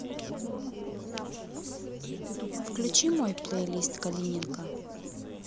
включи мой плей лист калининка